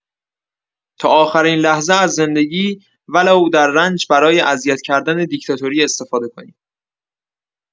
تا آخرین لحظه از زندگی ولو در رنج برای اذیت کردن دیکتاتوری استفاده کنیم.